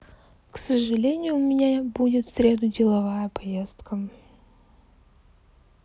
к сожалению у меня будет в среду деловая поездка